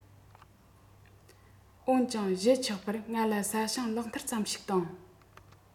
འོན ཀྱང གཞིས ཆགས པར ང ལ ས ཞིང ལག འཐིལ ཙམ ཞིག དང